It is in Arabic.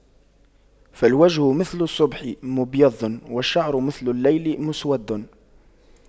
فالوجه مثل الصبح مبيض والشعر مثل الليل مسود